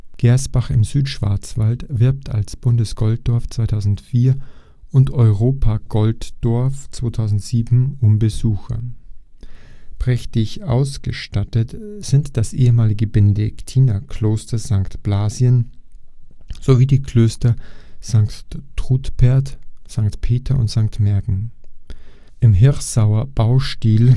Gersbach im Südschwarzwald wirbt als Bundesgolddorf 2004 und Europagolddorf 2007 um Besucher. Prächtig ausgestattet sind das ehemalige Benediktinerkloster St. Blasien sowie die Klöster Sankt Trudpert, St. Peter und St. Märgen. Im Hirsauer Baustil